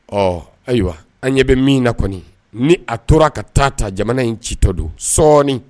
Ɔ ayiwa an ɲɛ bɛ min na kɔni ni a tora ka taa ta jamana in citɔ don sɔɔni